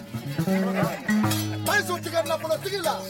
Ba nafolo tigi la